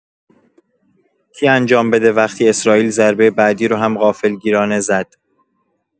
کی انجام بده وقتی اسراییل ضربه بعدی رو هم غافلگیرانه زد؟!